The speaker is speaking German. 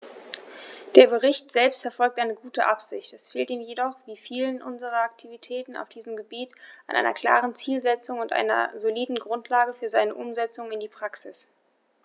Der Bericht selbst verfolgt eine gute Absicht, es fehlt ihm jedoch wie vielen unserer Aktivitäten auf diesem Gebiet an einer klaren Zielsetzung und einer soliden Grundlage für seine Umsetzung in die Praxis.